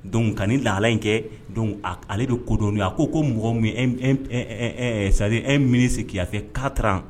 Dɔnkuc ka ni lala in kɛ don ale bɛ kodɔn a ko ko mɔgɔ min sa e mini sigiya kɛ kataran